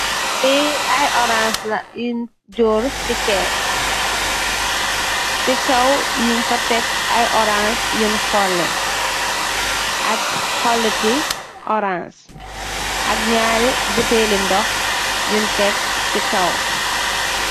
Lii ay orans la yuñg jóór si kees, si kow, ñung fa Tek ay orans yuñg xoli ak xolit i orans. Ñarri butel i ndox yuñg tek si kow.